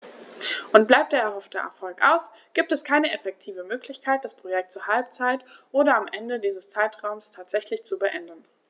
Und bleibt der erhoffte Erfolg aus, gibt es keine effektive Möglichkeit, das Projekt zur Halbzeit oder am Ende dieses Zeitraums tatsächlich zu beenden.